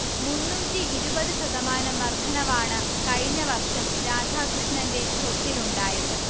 മുന്നൂറ്റി ഇരുപത് ശതമാനം വർദ്ധനവാണ് കഴിഞ്ഞ വർഷം രാധാകൃഷ്ണന്റെ സ്വത്തിലുണ്ടായത്